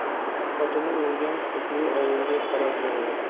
xotini o'lgan qizli ovulga qarab yig'lar